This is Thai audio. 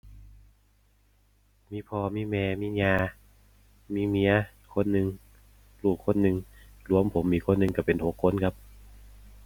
มีพ่อ มีแม่ มีย่า มีเมียคนหนึ่ง ลูกคนหนึ่ง รวมผมอีกคนหนึ่งก็เป็นหกคนครับ